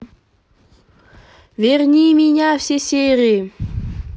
верни меня все серии